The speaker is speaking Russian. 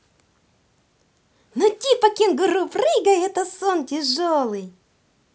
ну типа кенгуру прыгай это сон тяжелый